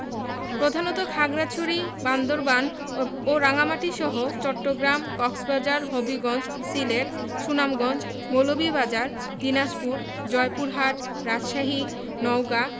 প্রধানত খাগড়াছড়ি বান্দরবান ও রাঙ্গামাটিসহ চট্টগ্রাম কক্সবাজার হবিগঞ্জ সিলেট সুনামগঞ্জ মৌলভীবাজার দিনাজপুর জয়পুরহাট রাজশাহী নওগাঁ